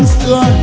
xưa